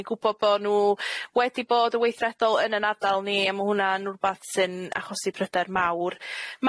ni'n gwbod bo' nw wedi bod yn weithredol yn 'yn ardal ni a ma' hwnna'n rwbath sy'n achosi pryder mawr.